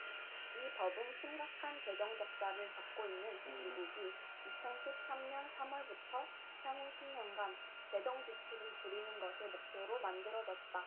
이 법은 심각한 재정적자를 겪고 있는 미국이 이천 십 삼 년 삼 월부터 향후 십 년간 재정지출을 줄이는 것을 목표로 만들어졌다